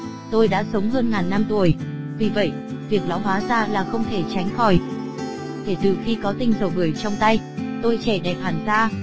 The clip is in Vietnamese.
tôi đã sống hơn ngàn năm tuổi vì vậy việc lão hóa da là không thể tránh khỏi kể từ khi có tinh dầu bưởi trong tay tôi trẻ đẹp hẳn ra